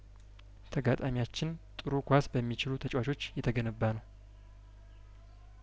ተጋጣሚያችን ጥሩ ኳስ በሚችሉ ተጨዋቾች የተገነባ ነው